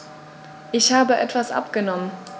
Ich habe etwas abgenommen.